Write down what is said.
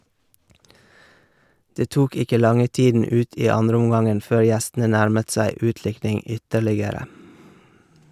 Det tok ikke lange tiden ut i andreomgangen før gjestene nærmet seg utlikning ytterligere.